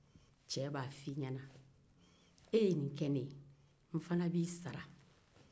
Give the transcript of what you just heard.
cɛ b'a f'i ɲɛna e ye nin ke ne ye n fana b'i sara